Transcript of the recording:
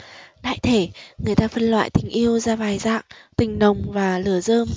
đại thể người ta phân loại tình yêu ra vài dạng tình nồng và lửa rơm